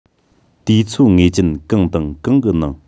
དུས ཚོད ངེས ཅན གང དང གང གི ནང